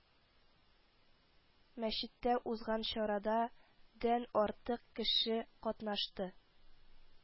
Мәчеттә узган чарада дән артык кеше катнашты